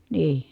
niin